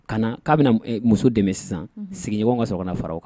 Ka na k'a bɛna muso dɛmɛ sisan sigiɲɔgɔn ka sokɔnɔ faraw kan